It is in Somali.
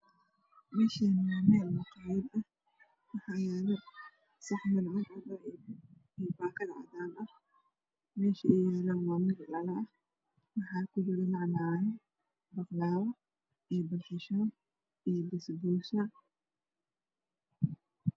Meeshaan waa meel maqaayad ah waxaa yaalo saxaman cadcad ah iyo baakad cadaan ah meesha ay yaalaana waa meel dhalo ah waxaa kujiro macmacaan iyo basanbuus.